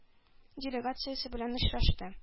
Делегациясе белән очрашты.